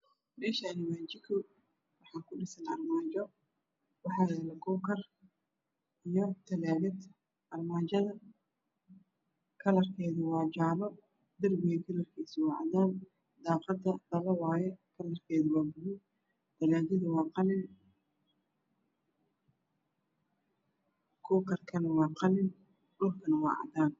Meeshaan waa jiko waxaa kudhisan armaajo waxaa yaalo kuukar iyo talaajad. Armaajada kalarkeedu waa jaalo darbiga waa cadaan. Daaqadu dhalo waaye waana buluug. Talaajadu waa qalin. Kuukarku waa qalin dhulkuna waa cadaan.